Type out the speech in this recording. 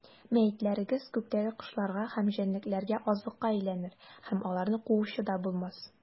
Мәетләрегез күктәге кошларга һәм җәнлекләргә азыкка әйләнер, һәм аларны куучы да булмас.